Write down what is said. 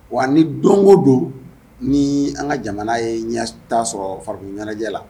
Wa ni don o don ni an ka jamana ye ɲɛ t taa sɔrɔ farikolobu ɲɔgɔnjɛ la